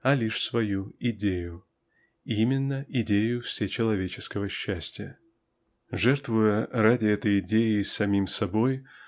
а лишь свою идею-- именно идею всечеловеческого счастья. Жертвуя ради этой идеи самим собой